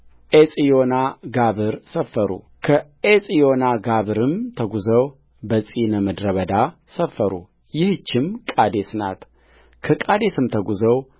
ዔጽዮንጋብር ሰፈሩከዔጽዮንጋብርም ተጕዘው በጺን ምድረ በዳ ሰፈሩ ይህችም ቃዴስ ናትከቃዴስም ተጕዘው